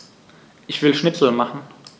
Ich will Schnitzel machen.